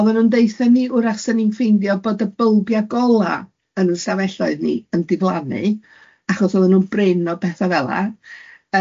Oeddan nhw'n deutha ni, wrach, sa ni'n ffeindio bod y bylbia gola yn ein stafelloedd ni yn diflannu, achos oedden nhw'n brin o bethau fela.